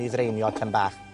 i ddraenio tym bach.